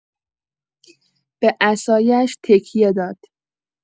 به عصایش تکیه داد.